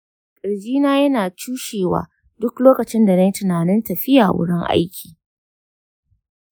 kirjina yana cushewa duk lokacin da na yi tunanin tafiya wurin aiki.